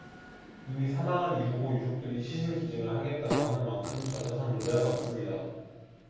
이미 사망한 이후고 유족들이 시신기증을 하겠다고 하는 만큼 절차상 문제는 없습니다